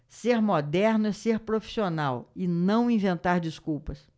ser moderno é ser profissional e não inventar desculpas